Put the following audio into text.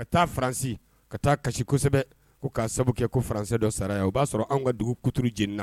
Ka taa faransi ka taa kasi kosɛbɛ ko k'a sababu kɛ ko faransɛ dɔ sara yan o b'a sɔrɔ an ka dugu kutuuru jeniina